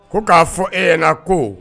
Ko k'a fɔ ey ko